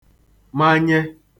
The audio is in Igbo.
manye